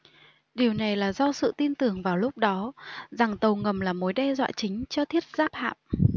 điều này là do sự tin tưởng vào lúc đó rằng tàu ngầm là mối đe dọa chính cho thiết giáp hạm